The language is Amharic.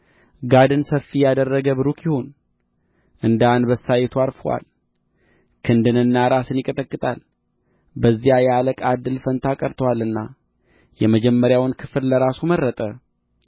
ጋድን ሰፊ ያደረገ ቡሩክ ይሁን እንደ አንበሳይቱ ዐርፎአል ክንድንና ራስን ይቀጠቅጣል በዚያ የአለቃ እድል ፈንታ ቀርቶአልና የመጀመሪያውን ክፍል ለራሱ መረጠ